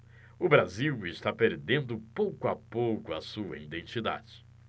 o brasil está perdendo pouco a pouco a sua identidade